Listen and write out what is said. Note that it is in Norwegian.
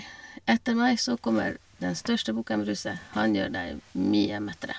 Etter meg så kommer den største bukken Bruse, han gjør deg mye mettere.